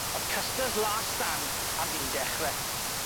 O'dd Custer's last stand ar fin dechre.